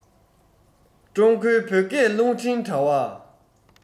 ཀྲུང གོའི བོད སྐད རླུང འཕྲིན དྲ བ